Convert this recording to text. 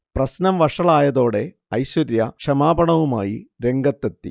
പ്രശ്നം വഷളായതോടെ ഐശ്വര്യ ക്ഷമാപണവുമായി രംഗത്ത് എത്തി